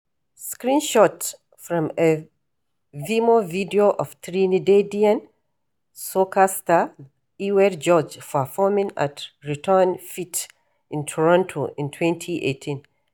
Screenshot from a Vimeo video of Trinidadian soca star Iwer George performing at Return Fête in Toronto in 2018.